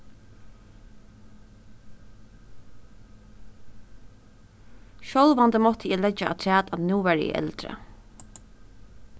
sjálvandi mátti eg leggja afturat at nú var eg eldri